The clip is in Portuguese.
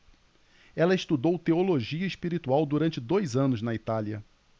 ela estudou teologia espiritual durante dois anos na itália